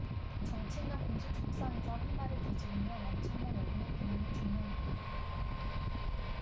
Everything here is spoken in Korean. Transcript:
정치인은 공식 석상에서 한 말을 뒤집으면 엄청난 여론의 비난에 직면한다